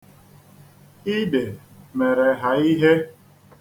Ide mere ha ihe.